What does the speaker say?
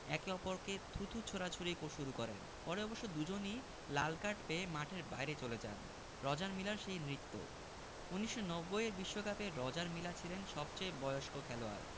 একে অপরকে থুতু ছোড়াছুড়ি শুরু করেন পরে অবশ্য দুজনই লাল কার্ড পেয়ে মাঠের বাইরে চলে যান রজার মিলার সেই নৃত্য ১৯৯০ এর বিশ্বকাপে রজার মিলা ছিলেন সবচেয়ে বয়স্ক খেলোয়াড়